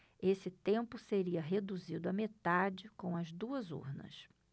esse tempo seria reduzido à metade com as duas urnas